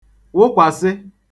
wụkwàsị